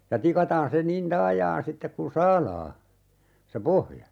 ja tikataan se niin taajaan sitten kuinka saadaan se pohja